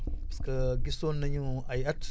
parce que gisoon nañu ay at